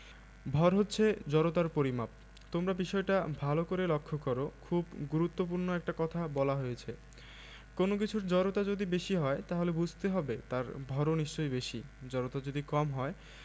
ভর হচ্ছে জড়তার পরিমাপ তোমরা বিষয়টা ভালো করে লক্ষ করো খুব গুরুত্বপূর্ণ একটা কথা বলা হয়েছে কোনো কিছুর জড়তা যদি বেশি হয় তাহলে বুঝতে হবে তার ভরও নিশ্চয়ই বেশি জড়তা যদি কম হয়